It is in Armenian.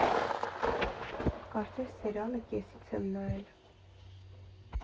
Կարծես սերիալը կեսից եմ նայել։